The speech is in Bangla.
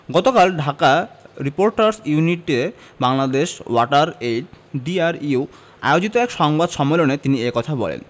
গতকাল ঢাকা রিপোর্টার্স ইউনিটিতে ডিআরইউ ওয়াটার এইড বাংলাদেশ আয়োজিত এক সংবাদ সম্মেলন তিনি এ কথা বলেন